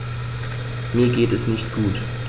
Mir geht es nicht gut.